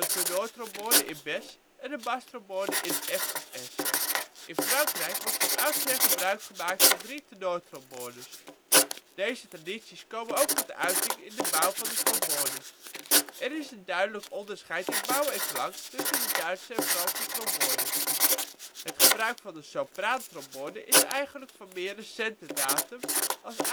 tenortrombone (in Bes) en een bastrombone (in F of Es). In Frankrijk wordt van oudsher gebruik gemaakt van drie tenortrombones. Deze tradities komen ook tot uiting in de bouw van de trombone. Er is een duidelijk onderscheid in bouw en klank tussen de Duitse en Franse trombone. Het gebruik van de sopraantrombone is eigenlijk van meer recente datum, als